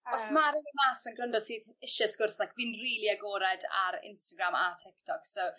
Os ma' rywun mas na'n grando sydd isie sgwrs ac fi'n rili agored ar Instagram a Tiktok so...